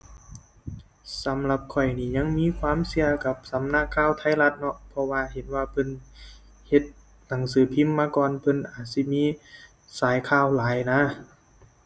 สำหรับข้อยนี้ยังมีความเชื่อกับสำนักข่าวไทยรัฐเนาะ เพราะว่าเห็นว่าเพิ่น เฮ็ดหนังสือพิมพ์มาก่อน เพิ่นอาจสิมีสายข่าวหลายนะ